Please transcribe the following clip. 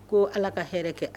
Ko ala ka hɛrɛ kɛ